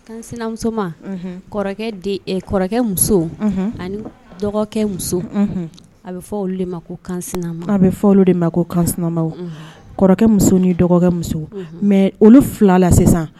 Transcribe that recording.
Sinamuso kɔrɔkɛ kɔrɔkɛ muso ani dɔgɔkɛ muso a bɛ ma ko kan a bɛ fɔ olu de ma ko kɔrɔkɛ muso ni dɔgɔ muso mɛ olu fila la sisan